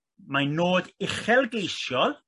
mae'n nod uchelgleisiol